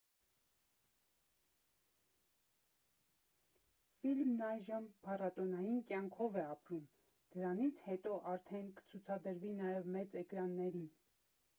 Ֆիլմն այժմ փառատոնային կյանքով է ապրում, դրանից հետո արդեն կցուցադրվի նաև մեծ էկրաններին։